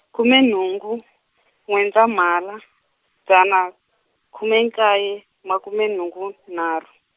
khume nhungu, N'wendzamhala, dzana, khume nkaye, makume nhungu nharhu.